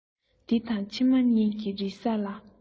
འདི དང ཕྱི མ གཉིས ཀྱི རེ ས ལ